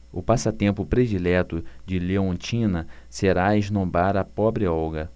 o passatempo predileto de leontina será esnobar a pobre olga